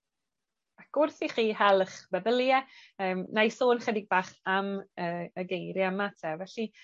Ac wrth i chi hel 'ych feddylie yym nâi sôn chydig bach am y y geirie yma 'te. Felly